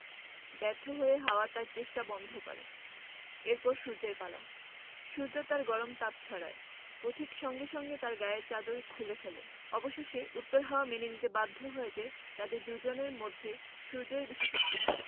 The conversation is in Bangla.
ব্যর্থ হয়ে হাওয়া তার চেষ্টা বন্ধ করে এর পর সূর্যের পালা সূর্য তার গরম তাপ ছড়ায় পথিক সঙ্গে সঙ্গে তার গায়ের চাদর খুলে ফেলে অবশেষে উত্তর হাওয়া মেনে নিতে বাধ্য হয় যে তাদের দুজের মধ্যে সূর্যই বেশি শক্তিমান